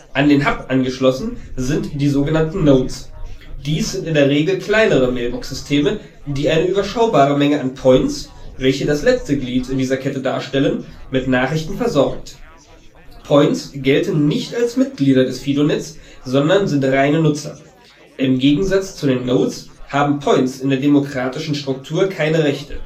An den Hub angeschlossen sind die so genannten Nodes. Dies sind in der Regel kleinere Mailboxsysteme, die eine überschaubare Menge an Points, welche das letzte Glied in dieser Kette darstellen, mit Nachrichten versorgt. Points gelten nicht als Mitglieder des FidoNets, sondern sind reine Nutzer. Im Gegensatz zu den Nodes haben Points in der demokratischen Struktur keine Rechte